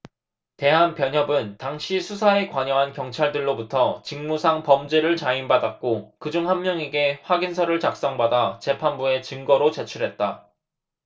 대한변협은 당시 수사에 관여한 경찰들로부터 직무상범죄를 자인받았고 그 중 한 명에게 확인서를 작성받아 재판부에 증거로 제출했다